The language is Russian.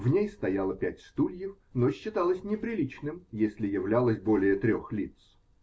В ней стояло пять стульев, но считалось неприличным, если являлось более трех лиц.